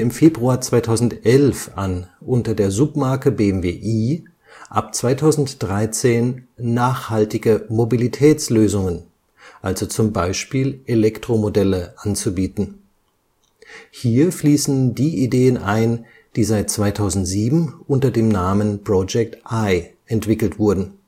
Februar 2011 an, unter der Submarke BMW i ab 2013 nachhaltige Mobilitätslösungen, also z. B. Elektromodelle anzubieten. Hier fließen die Ideen ein, die seit 2007 unter dem Namen project i entwickelt wurden